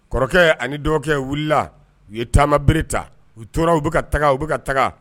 Kɔrɔkɛɛ ani dɔɔkɛ wulila u ye taama bere ta u tora u bɛ ka taga u ka taga